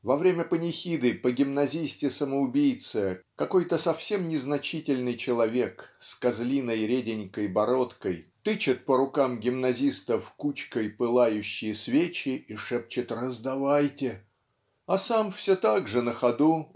Во время панихиды по гимназисту-самоубийце какой-то совсем незначительный человек с козлиной реденькой бородкой тычет по рукам гимназистов кучкой пылающие свечи и шепчет "Раздавайте!" а сам все так же на ходу